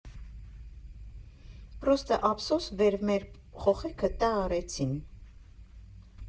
Պռոստը ափսոս վեր մեր խոխերքը տա արեցին։